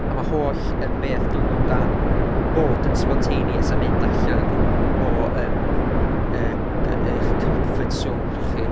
A ma' holl ymm beth nw amdan bod yn spontaneous a mynd allan o ymm yy g- eich comfort zone chi.